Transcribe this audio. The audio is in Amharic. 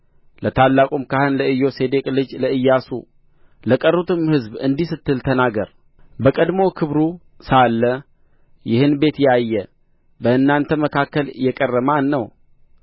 ለታላቁም ካህን ለኢዮሴዴቅ ልጅ ለኢያሱ ለቀሩትም ሕዝብ እንዲህ ስትል ተናገር በቀድሞ ክብሩ ሳለ ይህን ቤት ያየ በእናንተ መካከል የቀረ ማን ነው